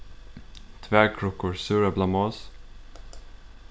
tvær krukkur súreplamos